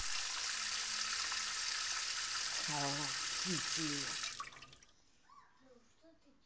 hello kitty